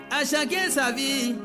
A si kɛ san bi